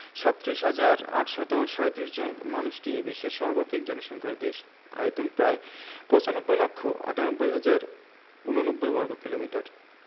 ৩৭ হাজার ৮৩৭ জন মানুষ নিয়ে বিশ্বের সর্বাধিক জনসংখ্যার দেশ আয়তন প্রায় ৯৫ লক্ষ ৯৮ হাজার ৮৯ বর্গকিলোমিটার